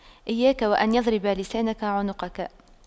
إياك وأن يضرب لسانك عنقك